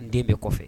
N den bɛ kɔfɛ